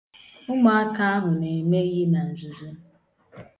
Ụmụaka ahụ na-eme ihe na nzuzo.